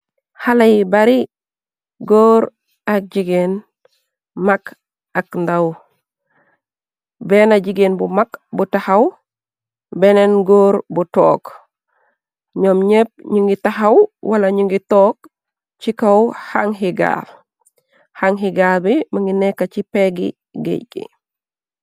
Xala yi bari góor ak jigeen mag ak ndaw benna jigéen bu mag bu taxaw beneen góor bu took ñoom ñépp ñu ngi taxaw wala ñu ngi toog ci kaw xan-xigaar xan xigaar bi mëngi nekka ci peggi géej gi.